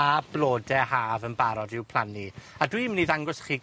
a blode Haf yn barod i'w plannu, a dw i'n myn' i dangos chi